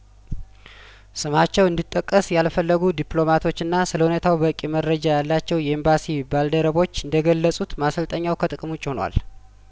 ስማቸው እንዲጠቀስ ያልፈለጉ ዲፕሎማቶችና ስለሁኔታው በቂ መረጃ ያላቸው የኤምባሲ ባልደረቦች እንደገለጹት ማሰልጠኛው ከጥቅም ውጪ ሁኗል